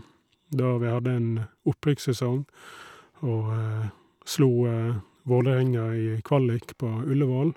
Da vi hadde en opprykkssesong og slo Vålerenga i kvalik på Ullevål.